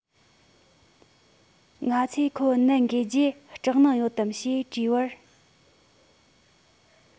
ང ཚོས ཁོར ནད འགོས རྗེས སྐྲག སྣང ཡོད དམ ཞེས དྲིས པར